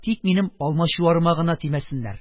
Тик минем алмачуарыма гына тимәсеннәр.